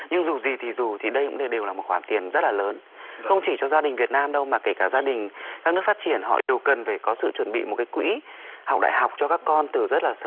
nhưng dù gì thì dù thì đây cũng đều là một khoản tiền rất là lớn không chỉ cho gia đình việt nam đâu mà kể cả gia đình các nước phát triển họ đều cần phải có sự chuẩn bị một cái quỹ học đại học cho các con từ rất là